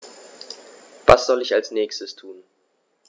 Was soll ich als Nächstes tun?